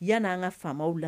Yan' anan ka faamaw la